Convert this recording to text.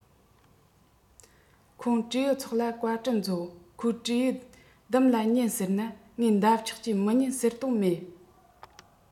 ཁོང སྤྲེའུའི ཚོགས ལ བཀའ འདྲི མཛོད ཁོང སྤྲེའུས སྡུམ ལ ཉན ཟེར ན ངེད འདབ ཆགས ཀྱིས མི ཉན ཟེར དོན མེད